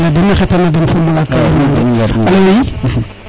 ta jegala den a xeta na den fo malaka yermande alo oui